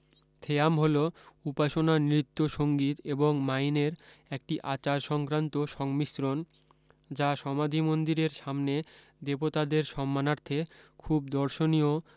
থেয়াম হল উপাসনা নৃত্য সঙ্গীত এবং মাইনের একটি আচার সংক্রান্ত সংমিশ্রণ যা সমাধিমন্দিরের সামনে দেবতাদের সম্মানার্থে খুব দর্শনীয়